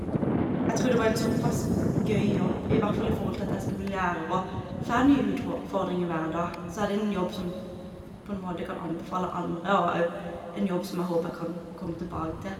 Jeg tror det var en såpass gøy jobb, i hvert fall i forhold til at jeg skal bli lærer og får nye utrå fordringer hver dag, så er det en jobb som på en måte kan anbefale andre og òg en jobb som jeg håper jeg kan komme tilbake til.